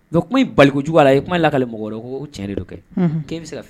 Kuma jugu la i kuma la ka mɔgɔ cɛn kɛ bɛ